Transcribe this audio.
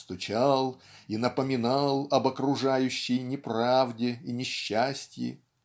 стучал и напоминал об окружающей неправде и несчастье.